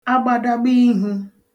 agbadagba ihū